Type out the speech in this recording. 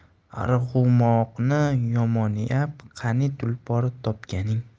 topganing arg'umoqni yomoniab qani tulpor topganing